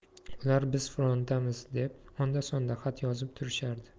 ular biz frontdamiz deb onda sonda xat yozib turishardi